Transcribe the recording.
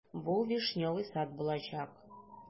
Бу "Вишневый сад" булачак.